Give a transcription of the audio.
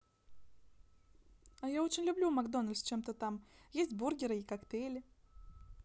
а я очень люблю макдональдс чем то там есть бургеры и коктейли